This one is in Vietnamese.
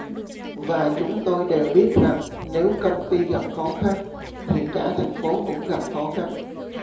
và chúng tôi đều biết rằng nếu công ty gặp khó khăn thì cả thành phố cũng gặp khó khăn